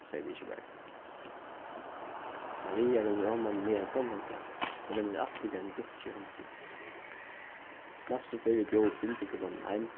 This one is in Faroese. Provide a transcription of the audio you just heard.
segði liðskiparin maria rennur oman og niðan hvønn morgun hon rennur altíð við einum dunki í hondini næstu ferð eg bjóði bindiklubbanum heim